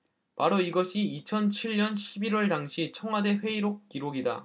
바로 이것이 이천 칠 년 십 일 월 당시 청와대 회의록 기록이다